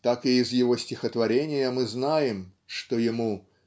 так и из его стихотворения мы знаем что ему .